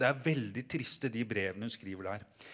det er veldig triste de brevene hun skriver der.